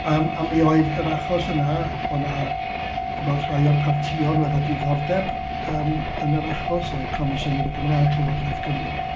Yym a mi oedd yr achos yna... o' 'na chibod rhai o'r partïoedd oedd â diddordeb yym yn yr achos, oedd y Comisiynydd y Gymraeg, Llywodraeth Cymru.